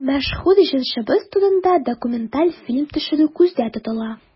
Мәшһүр җырчыбыз турында документаль фильм төшерү күздә тотыла.